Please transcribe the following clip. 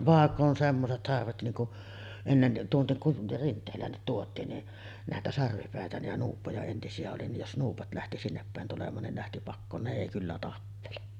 vaikka on semmoiset sarvet niin kun ennen tuonne kun Rinteelään tuotiin niin näitä sarvipäitä niin ja nuuppoja entisiä oli niin jos nuupot lähti sinnepäin tulemaan niin ne lähti pakoon ne ei kyllä tappele